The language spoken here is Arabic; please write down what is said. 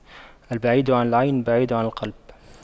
البعيد عن العين بعيد عن القلب